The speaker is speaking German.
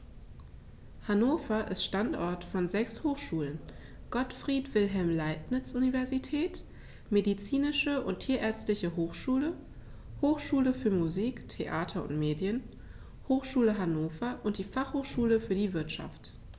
Hannover ist Standort von sechs Hochschulen: Gottfried Wilhelm Leibniz Universität, Medizinische und Tierärztliche Hochschule, Hochschule für Musik, Theater und Medien, Hochschule Hannover und die Fachhochschule für die Wirtschaft.